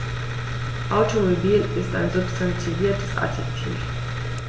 Automobil ist ein substantiviertes Adjektiv.